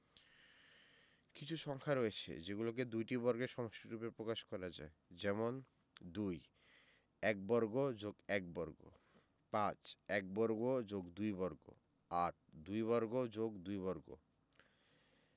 কিছু সংখ্যা রয়েছে যেগুলোকে দুইটি বর্গের সমষ্টিরুপে প্রকাশ করা যায় যেমনঃ ২ = ১ বর্গ + ১ বর্গ ৫ = ১ বর্গ + ২ বর্গ ৮ = ২ বর্গ + ২ বর্গ